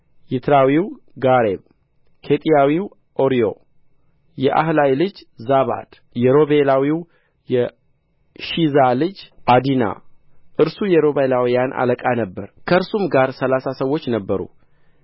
ይትራዊው ጋሬብ ኬጢያዊው ኦርዮ የአሕላይ ልጅ ዛባድ የሮቤላዊው የሺዛ ልጅ ዓዲና እርሱ የሮቤላውያን አለቃ ነበረ ከእርሱም ጋር ሠላሳ ሰዎች ነበሩ